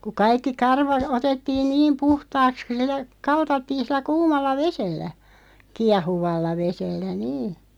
kun kaikki karva otettiin niin puhtaaksi kun sillä kaltattiin sillä kuumalla vedellä kiehuvalla vedellä niin